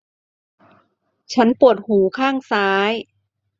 ฉันปวดหูข้างซ้าย